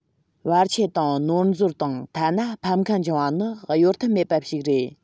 བར ཆད དང ནོར འཛོལ དང ཐ ན ཕམ ཁ འབྱུང བ ནི གཡོལ ཐབས མེད པ ཞིག རེད